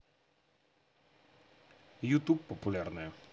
ютуб популярное